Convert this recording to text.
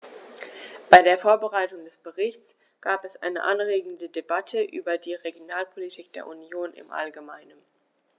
Bei der Vorbereitung des Berichts gab es eine anregende Debatte über die Regionalpolitik der Union im allgemeinen.